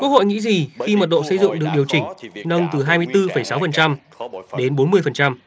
quốc hội nghĩ gì khi mật độ xây dựng được điều chỉnh nâng từ hai mươi tư phẩy sáu phần trăm đến bốn mươi phần trăm